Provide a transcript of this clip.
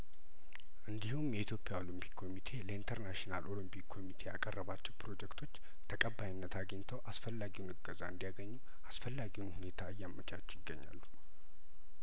እንዲሁም የኢትዮፕያኦሎምፒክ ኮሚቴ ለኢንተርናሽናል ኦሎምፒክ ኮሚቴ ያቀረባቸው ፕሮጀክቶች ተቀባይነት አግኝተው አስፈላጊውን እገዛ እንዲ ያገኙ አስፈላጊውን ሁኔታ እያመቻቹ ይገኛሉ